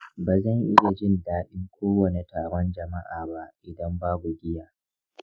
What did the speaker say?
ba zan iya jin daɗin kowane taron jama'a ba idan babu giya.